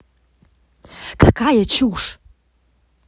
какая чушь